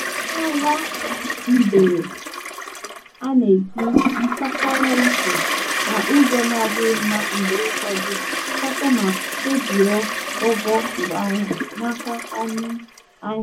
Ndị ahịa mgbere a na-eji mkpọkọrọ uche, na ụzọ na-adịghị mma mgbe ụfọdụ, kọtọ ma kpebie ogo ngwaahịa nakwa ọnụ ahịa.